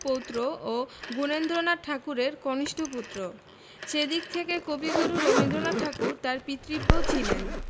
পৌত্র ও গুণেন্দ্রনাথ ঠাকুরের কনিষ্ঠ পুত্র সে দিক থেকে কবিগুরু রবীন্দ্রনাথ ঠাকুর তার পিতৃব্য ছিলেন